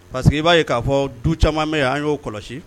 Parce que i b'a ye k'a fɔ du caaman mɛn yan an y'o kɔlɔsi